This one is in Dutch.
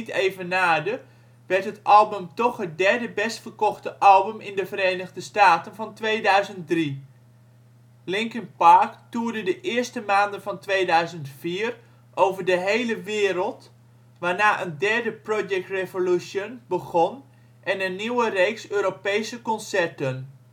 evenaarde, werd het album toch het derde bestverkochte album in de Verenigde Staten van 2003. Linkin Park toerde de eerste maanden van 2004 over de hele wereld, waarna een derde Projekt Revolution begon en een nieuwe reeks Europese concerten